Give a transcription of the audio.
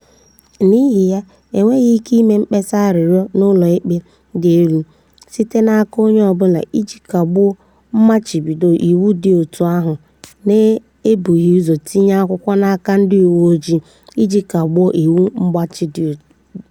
N'ihi ya, "e nweghị ike ime mkpesa arịrịọ n'Ụlọikpe Dị Elu" [Ngalaba 13(2)] site n'aka onye ọ bụla iji kagbuo mmachibido iwu dị otu ahụ na-ebughị ụzọ tinye akwụkwọ n'aka ndị uwe ojii iji kagbuo iwu mgbochi dị adị.